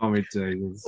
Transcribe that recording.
Oh my days.